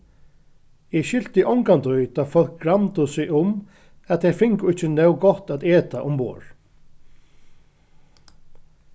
eg skilti ongantíð tá fólk gramdu seg um at tey fingu ikki nóg gott at eta umborð